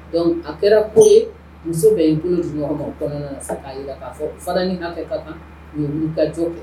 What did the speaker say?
Donc a kɛra ko ye muso bɛ y'i bolo di ɲɔgɔnma o kɔnɔna na ka jira sa ko muso fara ni hakɛ ka kan, u ye wilikajɔ kɛ